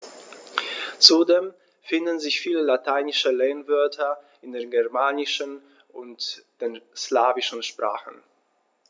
Zudem finden sich viele lateinische Lehnwörter in den germanischen und den slawischen Sprachen.